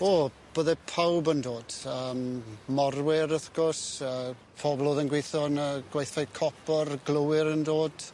O bydde pawb yn dod yym morwyr wrth gwrs yy pobl o'dd yn gwitho yn y gweithfeydd copor glowyr yn dod.